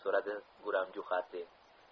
so'radi guram jo'xadze